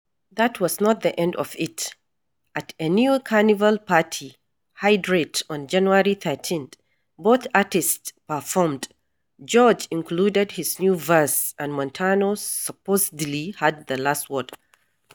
That was not the end of it: at a new Carnival party, "Hydrate", on January 13, both artists performed. George included his new verse and Montano supposedly had the last word: